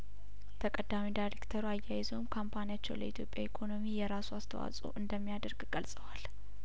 ተቀዳሚ ዳሬክተሩ አያይዘውም ካምፓኒያቸው ለኢትዮጵያ ኢኮኖሚ የራሱ አስተዋጽኦ እንደሚያደርግ ገልጸዋል